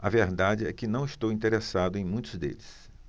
a verdade é que não estou interessado em muitos deles